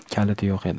kalit yo'q edi